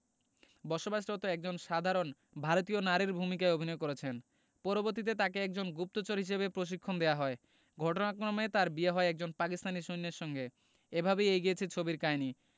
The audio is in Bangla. বসবাসরত একজন সাধারন ভারতীয় নারীর ভূমিকায় অভিনয় করেছেন পরবর্তীতে তাকে একজন গুপ্তচর হিসেবে প্রশিক্ষণ দেওয়া হয় ঘটনাক্রমে তার বিয়ে হয় একজন পাকিস্তানী সৈন্যের সঙ্গে এভাবেই এগিয়েছে ছবির কাহিনী